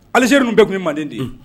Aliseridu bɛɛ tun manden de ye